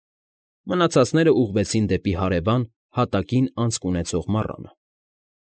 Մնացածներն ուղղվեցին դեպի հարևան՝ հատակին անցք ունեցող մառանը։